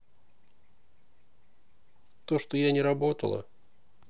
то что я не работала